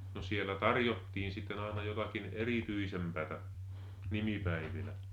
no siellä tarjottiin sitten aina jotakin erityisempää nimipäivillä